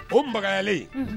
O maya